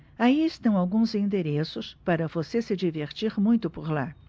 aí estão alguns endereços para você se divertir muito por lá